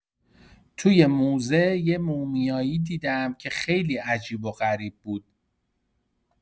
توی موزه یه مومیایی دیدم که خیلی عجیب و غریب بود.